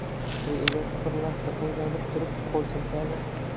to'y egasi bir lahza o'ylanib turib qo'l siltadi